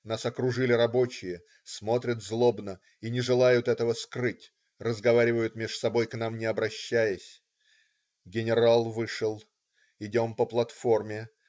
Нас окружили рабочие, смотрят злобно и не желают этого скрыть, разговаривают меж собой, к нам не обращаясь. Генерал вышел. Идем по платформе.